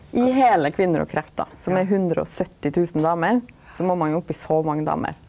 i heile Kvinner og kreft då, som er 170000 damer, så må ein opp i så mange damer.